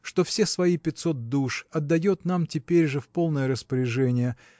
что все свои пятьсот душ отдает нам теперь же в полное распоряжение